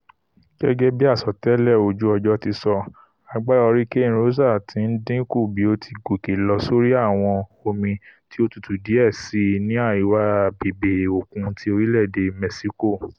Gẹ́gẹ́bí àsọtẹ́lẹ̀ ojú-ọjọ́ ti sọ, agbára Hurricane Rosa ti ńdínkù bí ó ti gòkè lọ sórí àwọn omi tí ó tútú díẹ̀ síi ní àríwá bèbè òkun ti orílẹ̀-èdè Mẹ́síkò.